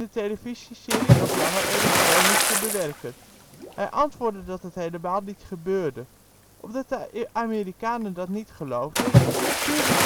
televisieserie nog langer elektronisch te bewerken. Hij antwoordde dat dat helemaal niet gebeurde. Omdat de Amerikanen dat niet geloofden stuurden